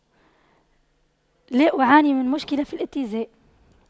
لا أعاني من مشكلة في الاتزان